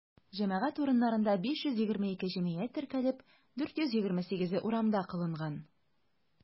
Җәмәгать урыннарында 522 җинаять теркәлеп, 428-е урамда кылынган.